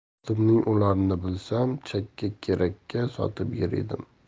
otamning o'larini bilsam chaksa kepakka sotib yer edim